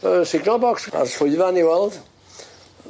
Yysignal bocs a'r swyddfa ni weld.